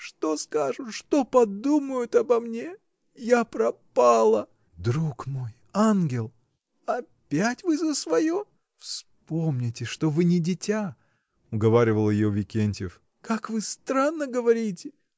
Что скажут, что подумают обо мне? я пропала. — Друг мой, ангел!. — Опять вы за свое? — Вспомните, что вы не дитя! — уговаривал ее Викентьев. — Как вы странно говорите!